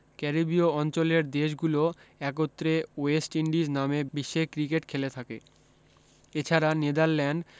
ক্যারিবীয় অঞ্চলের দেশগুলো একত্রে ওয়েস্ট ইন্ডিজ নামে বিশ্বে ক্রিকেট খেলে থাকে এছাড়া নেদারল্যান্ড